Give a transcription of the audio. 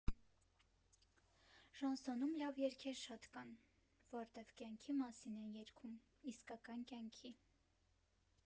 Շանսոնում լավ երգեր շատ կան, որտև կյանքի մասին են երգում, իսկական կյանքի։